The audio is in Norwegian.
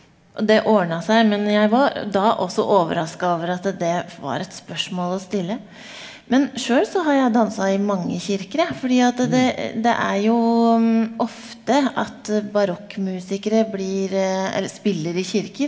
og det ordna seg, men jeg var da også overraska over at det var et spørsmål å stille, men sjøl så har jeg dansa i mange kirker jeg fordi at det det er jo ofte at barokkmusikere blir eller spiller i kirker.